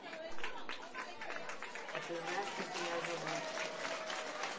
а ты знаешь как меня зовут